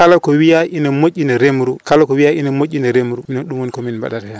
kala ko wiya ina moƴɗina remru kala ko wiya ina mo?ɗina remru minen ɗum woni kimin baɗata hen